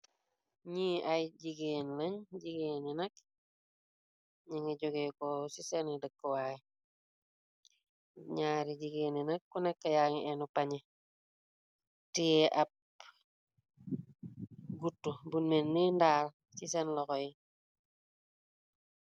N'i ay jigéen lañ jigéeni nak ñi ngi joge ko ci seeni dëkkwaay ñaari jigeeni nak ku nekk yaa ngi inu pañe tiee ab gut bu menni ndaal ci seen loxo y.